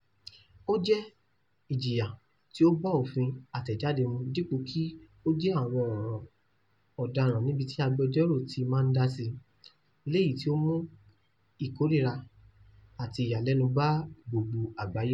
Ó jẹ́ ìjìyà tí ó bá òfin àtẹ̀jáde mu dipo kí ó jẹ́ àwọn ọ̀ràn ọ̀daràn níbití agbẹjọ́rò tí máa dási, lèyí tí ó mú ìkórìíra àti ìyàlẹ́nu bá gbogbo àgbáyé.